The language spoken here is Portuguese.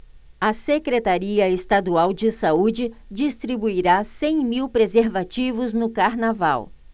a secretaria estadual de saúde distribuirá cem mil preservativos no carnaval